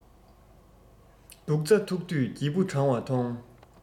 སྡུག རྩ ཐུག དུས སྒྱིད བུ གྲང བ མཐོང